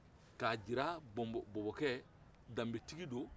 k'a jira bɔbɔkɛ danbetigi don